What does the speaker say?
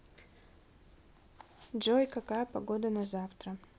джой какая погода на завтра